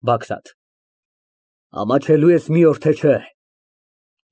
ԲԱԳՐԱՏ ֊ Ամաչելո՞ւ ես մի օր, թե՞ չէ։